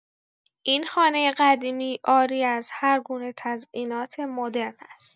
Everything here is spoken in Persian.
این خانه قدیمی عاری از هرگونه تزئینات مدرن است.